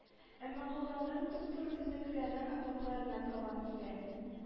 Әмма калганнары туп-туры безнекеләрнең окопларына табан килә